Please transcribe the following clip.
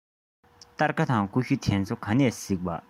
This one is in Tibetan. སྟར ཁ དང ཀུ ཤུ དེ ཚོ ག ནས གཟིགས པ